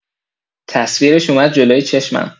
تصویرش اومد جلوی چشمم.